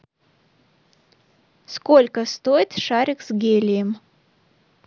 сколько стоит шарик с гелием